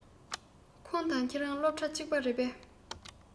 ཁོང དང ཁྱོད རང སློབ གྲྭ གཅིག རེད པས